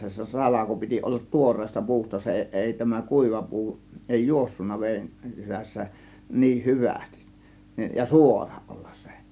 se salko piti olla tuoreesta puusta se ei tämä kuiva puu ei juossut veden sisässä niin hyvästi ja suora olla se